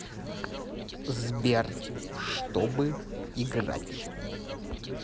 сбер чтобы играть